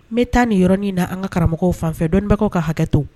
Me taa ni yɔrɔni in na an ŋa karamɔgɔw fanfɛ dɔnibagaw ka hakɛtɔ